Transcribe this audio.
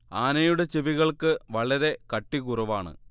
ആനയുടെ ചെവികൾക്ക് വളരെ കട്ടികുറവാണ്